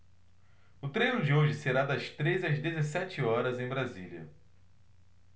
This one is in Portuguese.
o treino de hoje será das treze às dezessete horas em brasília